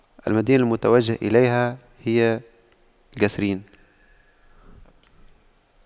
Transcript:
المدينة المتوجه اليها هي قصرين